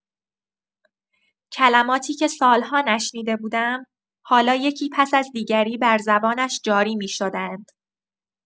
کلماتی که سال‌ها نشنیده بودم، حالا یکی پس از دیگری بر زبانش جاری می‌شدند.